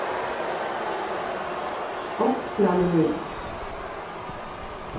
ást fjalir lýti